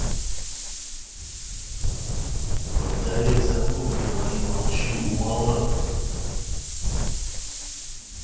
повторяй за мной говори молчи умалат